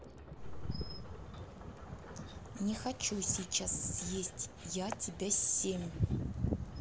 не хочу сейчас съесть я тебя семь